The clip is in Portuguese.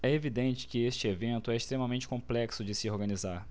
é evidente que este evento é extremamente complexo de se organizar